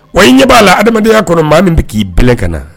Wa i ɲɛ b'a la adamadenyaya kɔnɔ maa min bɛ k'i b ka na